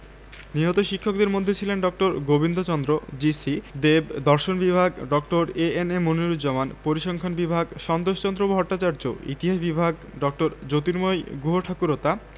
নিহত শিক্ষকদের মধ্যে ছিলেন ড. গোবিন্দচন্দ্র জি.সি দেব দর্শন বিভাগ ড. এ.এন.এম মনিরুজ্জামান পরিসংখান বিভাগ সন্তোষচন্দ্র ভট্টাচার্য ইতিহাস বিভাগ ড. জ্যোতির্ময় গুহঠাকুরতা